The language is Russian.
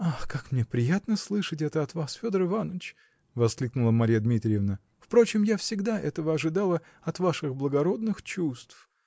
-- Ах, как мне приятно слышать это от вас, Федор Иваныч, -- воскликнула Марья Дмитриевна, -- впрочем, я всегда этого ожидала от ваших благородных чувств.